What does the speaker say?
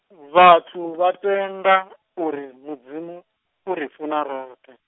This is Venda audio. vhathu vhatenda, uri Mudzimu, uri funa roṱhe.